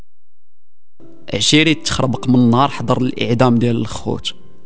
عشر تخربط من نار حضر الاعدام